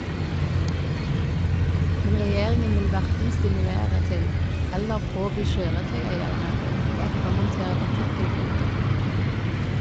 Men Regjeringen vil hverken stimulere til eller påby kjøretøyeierne å ettermontere partikkelfilter.